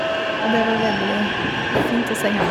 Og det var veldig fint å se henne.